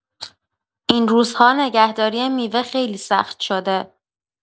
این روزها نگهداری میوه خیلی سخت شده.